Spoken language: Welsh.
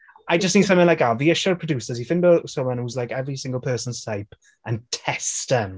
I just need something like that. Fi isie'r producers i ffeindio someone who's like every single person's type, and test 'em.